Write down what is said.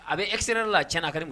A bɛ egɛrɛ la tina